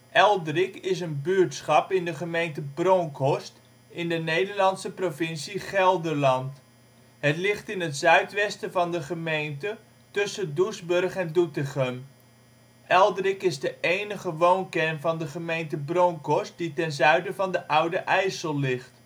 Eldrik is een buurtschap in de gemeente Bronckhorst in de Nederlandse provincie Gelderland. Het ligt in het zuidwesten van de gemeente tussen Doesburg en Doetinchem. Eldrik is de enige woonkern van de gemeente Bronckhorst die ten zuiden van de Oude IJssel ligt